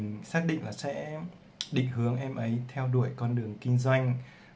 mình xác định để em ấy theo đuổi con đường kinh doanh